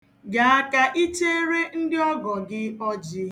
Gaa ka icheere ndị ọgọ gị ọjị.